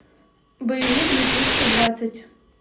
боевик две тысячи двадцать